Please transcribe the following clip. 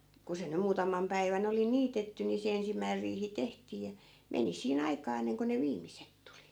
kun se nyt muutaman päivän oli niitetty niin se ensimmäinen riihi tehtiin ja meni siinä aikaa ennen kuin ne viimeiset tuli